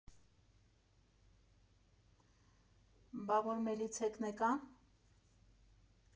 ֊ Բա որ միլիցեքն էկա՞ն։